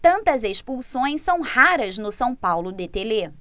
tantas expulsões são raras no são paulo de telê